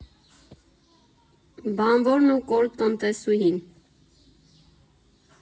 Բանվորն ու կոլտնտեսուհին։